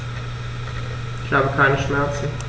Ich habe keine Schmerzen.